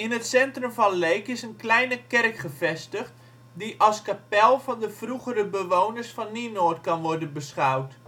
het centrum van Leek is een kleine kerk gevestigd, die als kapel van de vroegere bewoners van Nienoord kan worden beschouwd